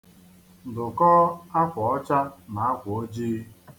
Dụkọọ akwa ọcha na nke ojii.